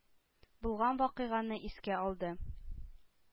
Булган вакыйганы искә алды.